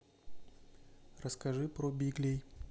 расскажи про биглей